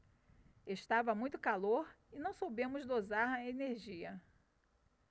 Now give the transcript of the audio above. estava muito calor e não soubemos dosar a energia